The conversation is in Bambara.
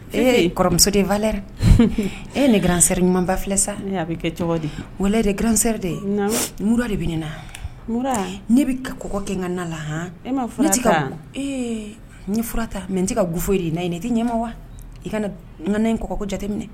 Eemusodenfa e ne gransɛri ɲuman ba filɛ sa bɛ kɛ wa gransɛre de muru de bɛ na ne bɛ ka kɔ kɛ ka na la hɔn ka ne fura mɛ n tɛ ka bufɔ de na ye ne tɛ ɲɛma wa i kana n n kɔɔgɔko jateminɛ